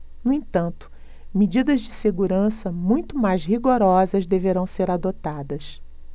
no entanto medidas de segurança muito mais rigorosas deverão ser adotadas